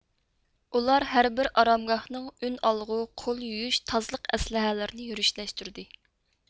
ئۇلار ھەر بىر ئارامگاھنىڭ ئۈن ئالغۇ قول يۇيۇش تازىلىق ئەسلىھەلىرىنى يۈرۈشلەشتۈردى